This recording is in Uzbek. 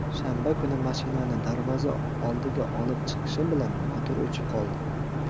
shanba kuni mashinani darvoza oldiga olib chiqishim bilan motor o'chib qoldi